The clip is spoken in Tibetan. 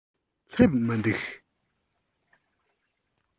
སླེབས མི འདུག